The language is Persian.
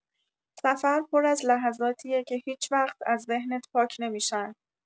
سفر پر از لحظاتیه که هیچ‌وقت از ذهنت پاک نمی‌شن.